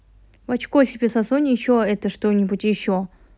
в очко себе засунь еще это что нибудь еще